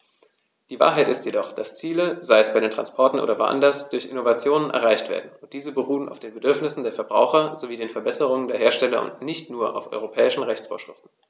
Die Wahrheit ist jedoch, dass Ziele, sei es bei Transportern oder woanders, durch Innovationen erreicht werden, und diese beruhen auf den Bedürfnissen der Verbraucher sowie den Verbesserungen der Hersteller und nicht nur auf europäischen Rechtsvorschriften.